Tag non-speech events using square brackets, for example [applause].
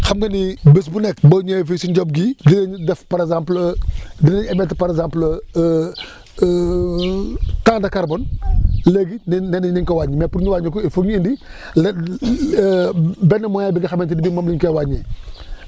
xam nga ni bés bu nekk boo ñëwee fii si Ndiob gii dinañu def par exemple [hesitation] dinañ éméttre par exemple [hesitation] tant de carbone léegi nee nañ nañ ko wàññi mais pour ñu wàññi ko il foog ñu indi [breath] lenn [hesitation] benn moyen bi nga xamante ni bii moom la ñu koy wàññee [breath]